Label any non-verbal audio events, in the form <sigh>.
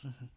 <hesitation> <hesitation>